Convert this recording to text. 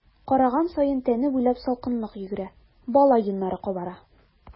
Караган саен тәне буйлап салкынлык йөгерә, бала йоннары кабара.